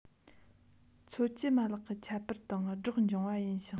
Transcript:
འཚོ བཅུད མ ལག གི ཁྱད པར དང སྦྲགས འབྱུང བ ཡིན ཞིང